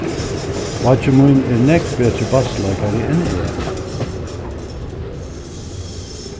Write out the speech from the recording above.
beiggi mín er nógv betri bassleikari enn eg